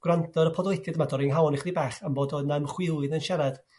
gwrando ar y podleidiad 'ma dorri'n nghalon i 'ch'dig bach am bod o' 'na ymchwilydd yn siarad